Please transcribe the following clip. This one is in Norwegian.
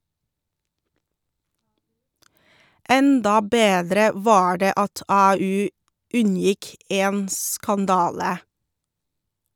Enda bedre var det at AU unngikk en skandale.